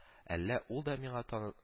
Әллә ул да миңа таны